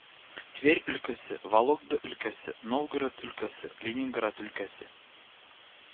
Тверь өлкәсе, Вологда өлкәсе, Новгород өлкәсе, Ленинград өлкәсе